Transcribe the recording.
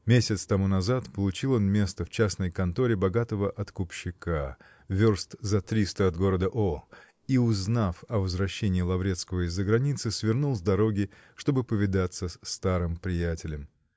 Месяц тому назад получил он место в частной конторе богатого откупщика, верст за триста от города О. , и, узнав о возвращении Лаврецкого из-за границы, свернул с дороги, чтобы повидаться с старым приятелем.